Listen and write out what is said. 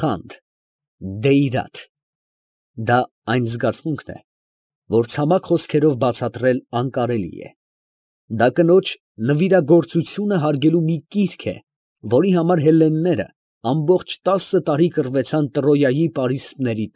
Խանդ, ղեյրաթ. ֊ դա այն զգացմունքն է, որ ցամաք խոսքերով բացատրել անկարելի է։ ֊ Դա կնոջ նվիրագործությունը հարգելու մի կիրք է, որի համար հելլենները ամբողջ տասը տարի կռվեցան Տրոյայի պարիսպների։